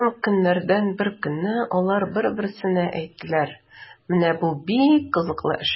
Һәм көннәрдән бер көнне алар бер-берсенә әйттеләр: “Менә бу бик кызыклы эш!”